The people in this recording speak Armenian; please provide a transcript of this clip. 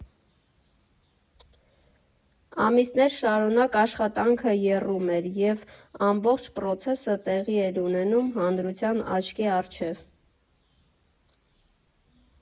Ամիսներ շարունակ աշխատանքը եռում էր, և ամբողջ պրոցեսը տեղի էր ունենում հանրության աչքի առջև։